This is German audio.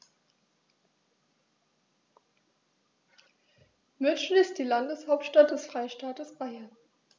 München ist die Landeshauptstadt des Freistaates Bayern.